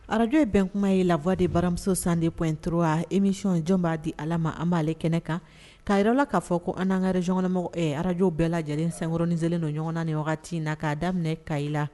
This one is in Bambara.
Arajo ye bɛn kuma ye lawa de baramuso san dep intu a emisiyɔnjɔn b'a di ala ma an b'ale kɛnɛ kan kaa yɛrɛ la k'a fɔ ko angakarire jangɔnmɔgɔw arajo bɛɛ lajɛlen sankɔrɔn2 selene don ɲɔgɔnna ni wagati in na k kaa daminɛ ka i la